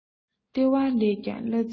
ལྟེ བ ལས ཀྱང གླ རྩི ལེན